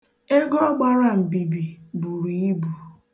Ego ọ gbara mbibi buru ibu.